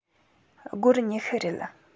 སྒོར ཉི ཤུ རེད